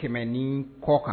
100 ni kɔkan